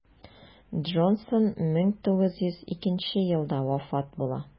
Джонсон 1902 елда вафат була.